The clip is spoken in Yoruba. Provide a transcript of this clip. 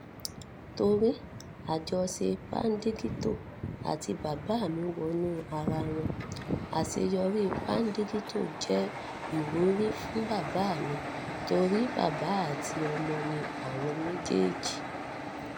Torí àjọṣe Paddington àti bàbá mi wọnú ara wọn, àṣeyọrí Paddington jẹ́ ìwúrí fún bàbá mi torí bàbá àti ọmọ ni àwọn méjèèjì.